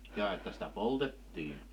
jaa että sitä poltettiin